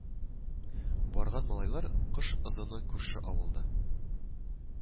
Барган малайлар кыш озыны күрше авылда